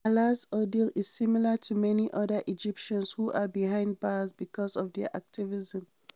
Alaa's ordeal is similar to many other Egyptians who are behind bars because of their activism.